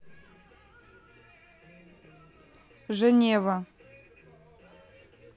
женева